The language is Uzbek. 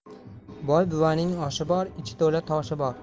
boy buvaning oshi bor ichi to'la toshi bor